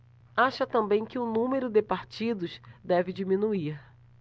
acha também que o número de partidos deve diminuir